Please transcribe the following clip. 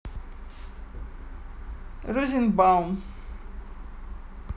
розенбаум